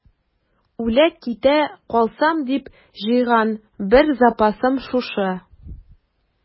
Үлә-китә калсам дип җыйган бар запасым шушы.